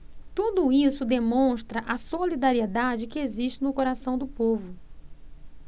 tudo isso demonstra a solidariedade que existe no coração do povo